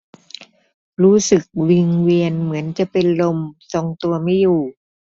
รู้สึกวิงเวียนเหมือนจะเป็นลมทรงตัวไม่อยู่